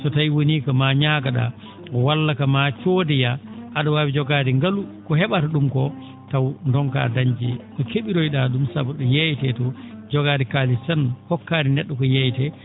so tawii wonii ko ma ñaago?aA walla ko maa coodoyaa a?o waawi jogaade ngalu ko he?ata ?um koo taw ndonkaa dañde no ke?iroy?aa ?um sabu ?o yeeyetee to jogaade kaalis tan hokkaani ne??o ko yeeyetee